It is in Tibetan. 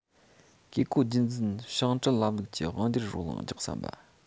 བཀས བཀོད རྒྱུད འཛིན ཞིང བྲན ལམ ལུགས ཀྱི དབང སྒྱུར རོ ལངས རྒྱག བསམ པ